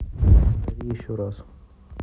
повтори еще раз